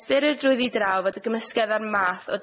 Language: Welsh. Ystyrir drwyddi draw fod y gymysgedd ar math o dai